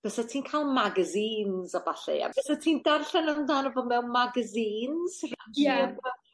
bysat ti'n ca'l magazines a ballu a bysa ti'n darllen amdano fo mewn magazines